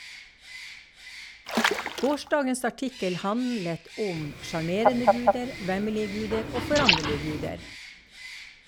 Gårsdagens artikkel handlet om sjarmerende guder , vemmelige guder og foranderlige guder.